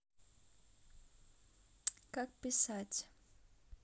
как писать